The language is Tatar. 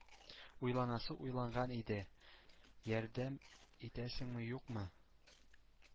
— уйланасы уйланган иде. ярдәм итәсеңме, юкмы?